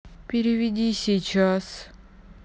переведи сейчас